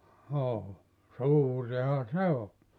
joo suurihan se oli